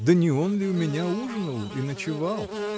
Да не он ли у меня ужинал и ночевал?